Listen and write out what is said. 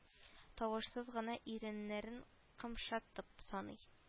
Тавышсыз гына иреннәрен кымшатып саный